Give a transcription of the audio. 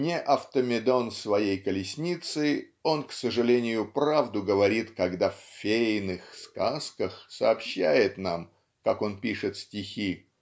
Не Автомедон своей колесницы он к сожалению правду говорит когда в "Фейных сказках" сообщает нам как он пишет стихи